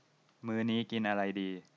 มื้อนี้กินอะไรดี